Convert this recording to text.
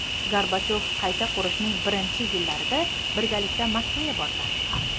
gorbachev qayta qurishining birinchi yillarida birgalikda moskvaga borganmiz